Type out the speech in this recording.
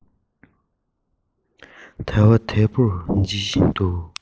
དལ བ དལ བུར འབྱིད བཞིན འདུག